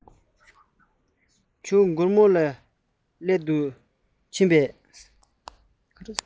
ཁྱེད རང གོར མོ ལ ཀྱི ཡིན གསུང གི འདུག ཕེབས པས ཕྱིན པས